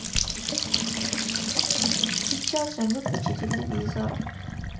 сейчас же выключи телевизор